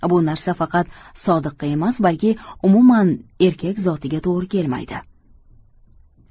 bu narsa faqat sodiqqa emas balki umuman erkak zotiga to'g'ri kelmaydi